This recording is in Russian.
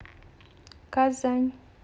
казань